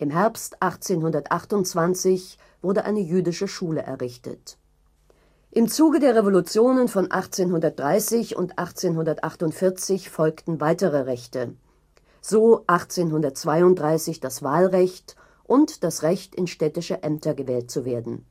Herbst 1828 wurde eine jüdische Schule errichtet. Im Zuge der Revolutionen von 1830 und 1848 folgten weitere Rechte, so 1832 das Wahlrecht und das Recht in städtische Ämter gewählt zu werden